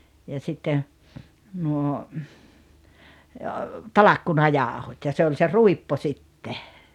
ja sitten nuo talkkunajauhot ja se oli se ruippo sitten